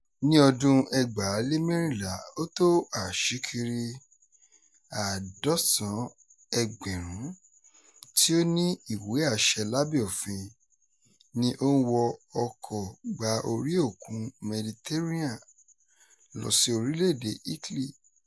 Ní ọdún-un 2014, ó tó aṣíkiri 170,000 tí ò ní ìwé-àṣẹ lábẹ́ òfin ni ó ń wọ ọkọ̀ gba orí òkun Mediterranean lọ sí orílẹ̀-èdè Italy.